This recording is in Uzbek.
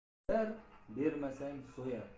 qoziga bersang suyar bermasang so'yar